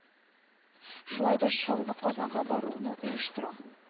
Шулай да чаллы казанга баруны оештыра